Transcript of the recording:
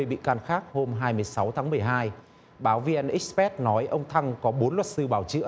bị can khác hôm hai mươi sáu tháng mười hai báo vi en ích pét nói ông thăng có bốn luật sư bào chữa